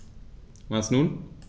Und nun?